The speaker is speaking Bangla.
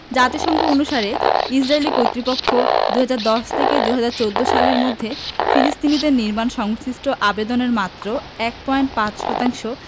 জাতিসংঘ অনুসারে ইসরাইলি কর্তৃপক্ষ ২০১০ থেকে ২০১৪ সালের মধ্যে ফিলিস্তিনিদের নির্মাণ সংশ্লিষ্ট আবেদনের মাত্র ১.৫ শতাংশ